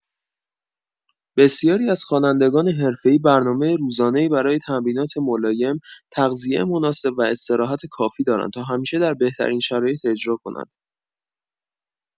بسیاری از خوانندگان حرفه‌ای برنامه روزانه‌ای برای تمرینات ملایم، تغذیه مناسب و استراحت کافی دارند تا همیشه در بهترین شرایط اجرا کنند.